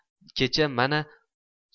kecha mana